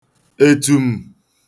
ètùm̀